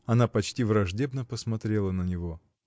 Она почти враждебно посмотрела на него.